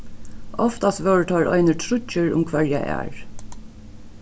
oftast vóru teir einir tríggir um hvørja ær